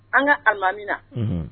An ka alimamina